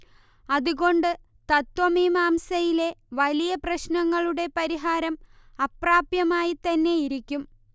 അതുകൊണ്ട് തത്ത്വമീമാംസയിലെ വലിയ പ്രശ്നങ്ങളുടെ പരിഹാരം അപ്രാപ്യമായിത്തന്നെയിരിക്കും